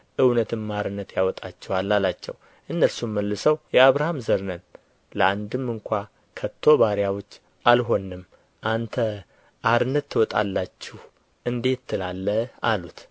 እውነትም አርነት ያወጣችኋል አላቸው እነርሱም መልሰው የአብርሃም ዘር ነን ለአንድም ስንኳ ከቶ ባሪያዎች አልሆንም አንተ አርነት ትወጣላችሁ እንዴት ትላለህ አሉት